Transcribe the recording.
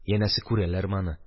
Янәсе, күрәләрме аны.